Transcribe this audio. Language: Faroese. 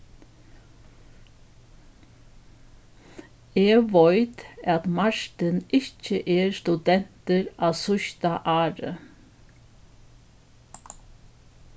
eg veit at martin ikki er studentur á síðsta ári